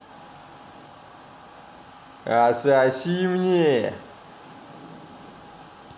отсоси мне